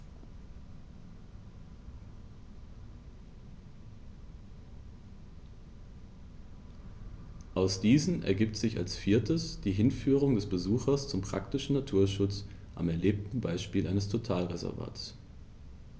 Aus diesen ergibt sich als viertes die Hinführung des Besuchers zum praktischen Naturschutz am erlebten Beispiel eines Totalreservats.